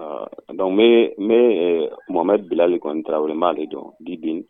Dɔnkuc n mamamɛ bila de kɔni tarawele b' de dɔn di den